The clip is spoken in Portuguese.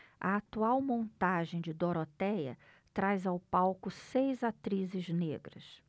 a atual montagem de dorotéia traz ao palco seis atrizes negras